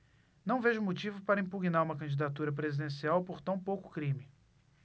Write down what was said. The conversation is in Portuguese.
não vejo motivo para impugnar uma candidatura presidencial por tão pouco crime